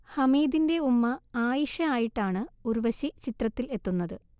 ഹമീദിന്റെ ഉമ്മ ആയിഷ ആയിട്ടാണ് ഉർവശി ചിത്രത്തിൽ എത്തുന്നത്